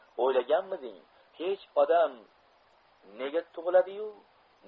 o'ylaganmiding hech odam nega tug'iladi yu